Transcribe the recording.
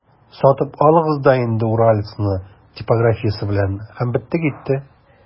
Сатып алыгыз да инде «Уралец»ны типографиясе белән, һәм бетте-китте!